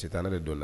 Sitanɛ bɛ dɔ a la.